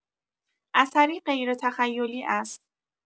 اثری غیرتخیلی است.